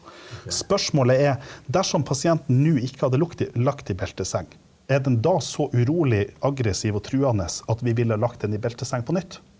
spørsmålet er dersom pasienten nå ikke hadde i lagt i belteseng, er den da så urolig, aggressiv og truende at vi ville ha lagt den i belteseng på nytt?